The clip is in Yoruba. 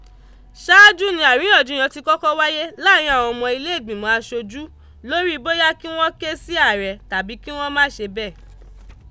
Ṣaájú ni àríyànjiyàn ti kọ́kọ́ wáyé láàrin àwọn ọmọ ilé ìgbìmọ̀ aṣojú lórí bóyá kí wọ́n ké sí Ààrẹ tàbí kí wọ́n má ṣe bẹ́ẹ̀.